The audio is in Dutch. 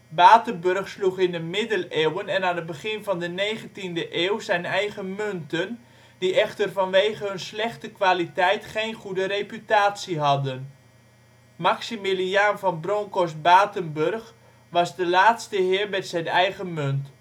Batenburg sloeg in de Middeleeuwen en aan het begin van de 17e eeuw zijn eigen munten, die echter vanwege hun slechte kwaliteit geen goede reputatie hadden. Maximiliaen van Bronckhorst-Batenburg was de laatste heer met zijn eigen munt